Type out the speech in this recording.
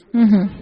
Unhun